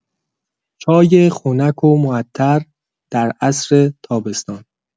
چای خنک و معطر در عصر تابستان